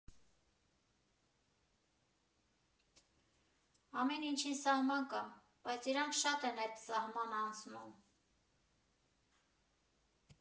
Ամեն ինչին սահման կա, բայց իրանք շատ են էտ սահմանը անցնում։